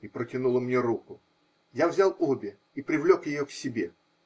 И протянула мне руку; я взял обе и привлек ее к себе.